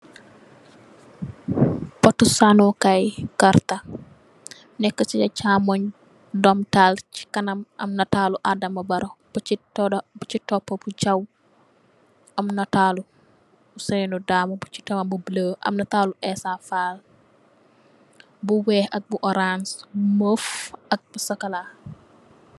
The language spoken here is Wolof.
Potu sannokaay karta nekka chi sa chàmoñ domtal chi kanam am natalu Adama Barrow, bu chi topu bi chaw am natalu Ousainou Darboe, bu chi topu bu bulo am natalu Ensa Faal bu weeh ak bu orance move ak bu sokola.